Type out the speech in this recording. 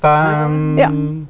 fem.